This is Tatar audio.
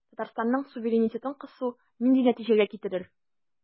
Татарстанның суверенитетын кысу нинди нәтиҗәгә китерер?